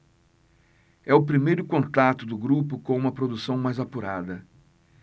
é o primeiro contato do grupo com uma produção mais apurada